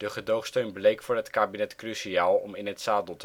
gedoogsteun bleek voor het kabinet cruciaal om in het zadel